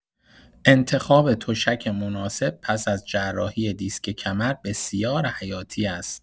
انتخاب تشک مناسب پس از جراحی دیسک کمر بسیار حیاتی است.